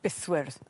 bythwyrdd